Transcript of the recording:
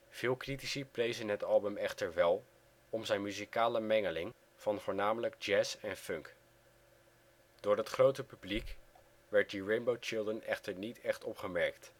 Veel critici prezen het album echter wel om zijn muzikale mengeling van voornamelijk jazz en funk. Door het grote publiek werd The Rainbow Children echter niet echt opgemerkt